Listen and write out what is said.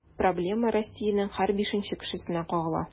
Проблема Россиянең һәр бишенче кешесенә кагыла.